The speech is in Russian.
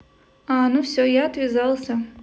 а ну все я отвязался